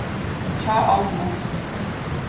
hjá ommu